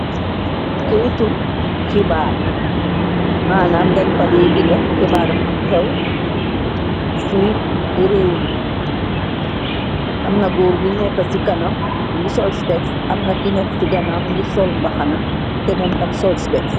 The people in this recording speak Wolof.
Keytum xibaar maanam dañ fadee binda xibaaru xew ci réew ni amna góor bi nekk ci kanam mu ngi sol specks amna ki nekk ci ganaw mu ngir sol mbaxana te moom tam sol specx.